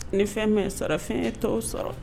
Ni fɛn mɛn sara fɛn ye t sɔrɔ